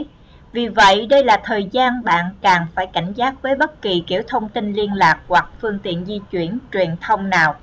vì vậy đây là thời gian bạn càng phải cảnh giác với bất kỳ kiểu thông tin liên lạc hoặc phương tiện di chuyển truyền thông nào